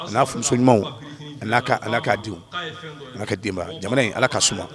A n'a muso ɲumanw a n’a k'a, a n'a ka den, a n'a ka denbaya jamana in Ala ka kolo suma.